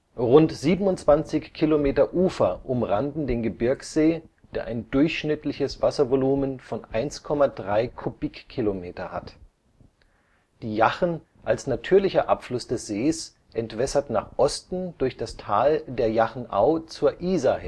Rund 27 km Ufer umranden den Gebirgssee, der ein durchschnittliches Wasservolumen von 1,3 km³ hat. Die Jachen, als natürlicher Abfluss des Sees, entwässert nach Osten durch das Tal der Jachenau zur Isar